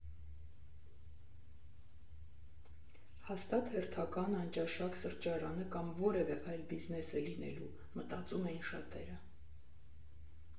Հաստատ հերթական անճաշակ սրճարանը կամ որևէ այլ բիզնես է լինելու, մտածում էին շատերը։